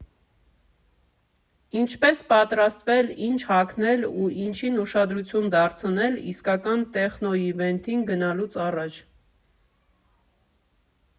Ինչպես պատրաստվել, ինչ հագնել ու ինչին ուշադրություն դարձնել՝ իսկական տեխնո իվենթին գնալուց առաջ։